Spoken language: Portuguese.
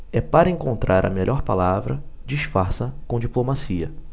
é para encontrar a melhor palavra disfarça com diplomacia